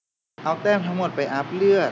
เอาแต้มทั้งหมดไปอัพเลือด